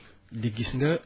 di gis nga